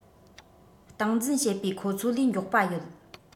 སྟངས འཛིན བྱེད པའི ཁོ ཚོ ལས མགྱོགས པ ཡོད